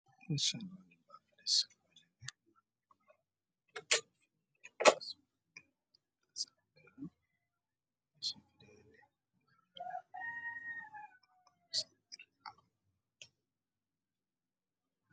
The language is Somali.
Waa oday oo wato koofi oo ku yeelo shaatiga guduud kujiro iyo cimaamad toos ka dib